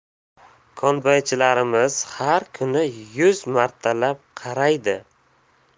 kombaynchilarimiz har kuni yuz martalab qaraydi